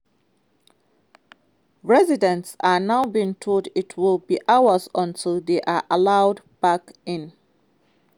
Residents are now being told it will be hours until they are allowed back in.